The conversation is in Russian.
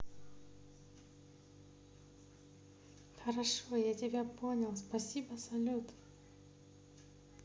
хорошо я тебя понял спасибо салют